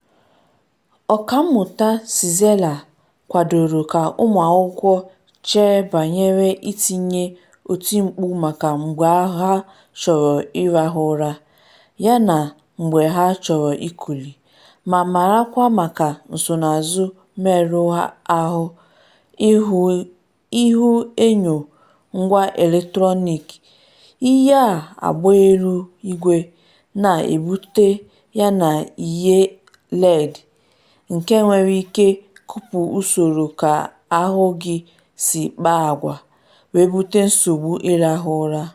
Ọkammụta Czeisler kwadoro ka ụmụ akwụkwọ chee banyere itinye otimkpu maka mgbe ha chọrọ ịrahụ ụra, yana mgbe ha chọrọ ikuli, ma marakwa maka nsonazụ mmerụ ahụ ihuenyo ngwa eletrọnịk “ihie agba elu igwe” na-ebute yana ihie LED, nke nwere ike kụpụ usoro ka ahụ gị si akpa agwa, we bute nsogbu ịrahụ ụra.